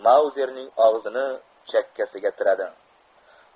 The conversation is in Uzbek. mauzeming og'zini chakkasiga tiradi